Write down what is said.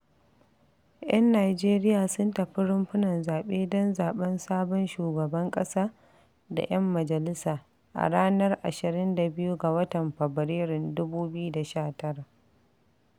Yan Nijeriya sun tafi rumfunan zaɓe don zaɓen sabon shugaban ƙasa da 'yan majalisa a ranar 23 ga watan Fabrairun 2019.